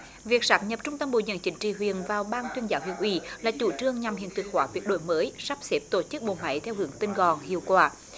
việc sáp nhập trung tâm bồi dưỡng chính trị viên vào ban tuyên giáo huyện ủy là chủ trương nhằm hiện thực hóa việc đổi mới sắp xếp tổ chức bộ máy theo hướng tinh gọn hiệu quả